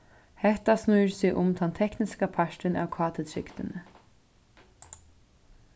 hetta snýr seg um tann tekniska partin av kt-trygdini